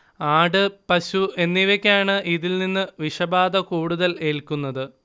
ആട്, പശു എന്നിവയ്ക്കാണ് ഇതിൽ നിന്ന് വിഷബാധ കൂടുതൽ ഏൽക്കുന്നത്